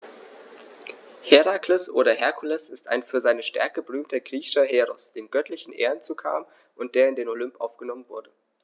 Herakles oder Herkules ist ein für seine Stärke berühmter griechischer Heros, dem göttliche Ehren zukamen und der in den Olymp aufgenommen wurde.